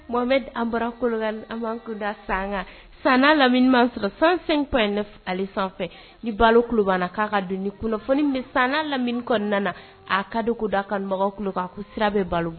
Mɔme an barada san san lamini sɔrɔ san sanfɛ ni baloba k'a ka don kunnafoni bɛ san lamini kɔnɔna na a ka ko da kanbagaw ko sira bɛ balo